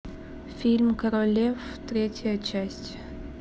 фильм король лев третья часть